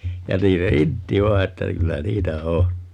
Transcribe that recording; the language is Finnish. ja niin se intti vain että kyllä niitä on